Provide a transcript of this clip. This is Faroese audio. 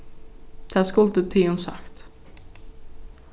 tað skuldi tygum sagt